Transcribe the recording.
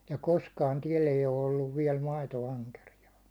ja koskaan täällä ei ole ollut vielä maitoankeriasta